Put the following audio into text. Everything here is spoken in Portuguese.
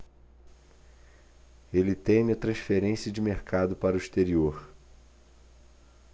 ele teme a transferência de mercado para o exterior